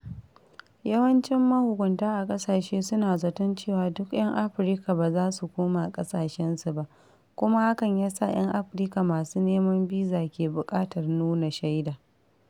Yawancin mahukunta a ƙasashe su na zaton cewa duk 'yan afirka ba za su koma ƙasashensu ba, kuma hakan ya sa 'yan Afirka masu neman biza ke buƙatar nuna shaida.